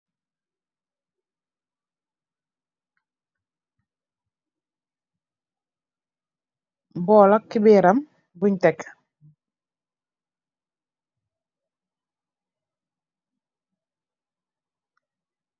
Bowl ak kuberam bung teck.